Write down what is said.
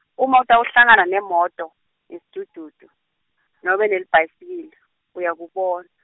uma utawuhlangana nemoto, nesidududu, noma nelibhayisikili, uyakubon-.